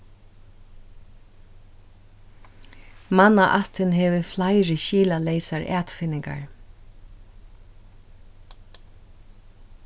mannaættin hevur fleiri skilaleysar atfinningar